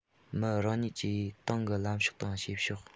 མི རང ཉིད ཀྱིས ཏང གི ལམ ཕྱོགས དང བྱེད ཕྱོགས